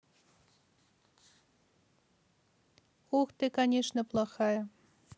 ух ты конечно плохая